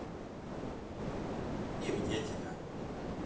и мне тебя